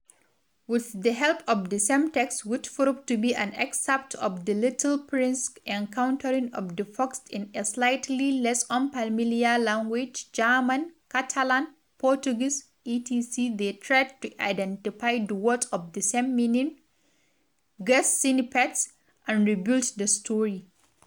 With the help of the same text (which proved to be an excerpt of the Little Prince encountering the fox) in a slightly less unfamiliar language (German, Catalan, Portuguese, etc) they tried to identify the words of the same meaning, guess snippets, and rebuild the story.